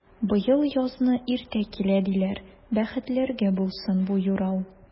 Быел язны иртә килә, диләр, бәхетләргә булсын бу юрау!